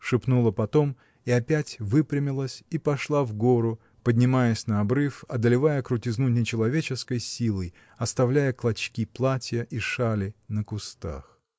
— шепнула потом и опять выпрямилась и пошла в гору, поднимаясь на обрыв, одолевая крутизну нечеловеческой силой, оставляя клочки платья и шали на кустах.